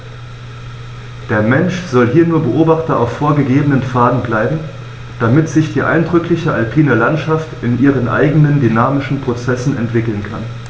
Der Mensch soll hier nur Beobachter auf vorgegebenen Pfaden bleiben, damit sich die eindrückliche alpine Landschaft in ihren eigenen dynamischen Prozessen entwickeln kann.